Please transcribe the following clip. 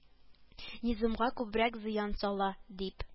Низмга күбрәк зыян сала, дип